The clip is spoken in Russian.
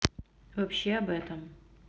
вообще об этом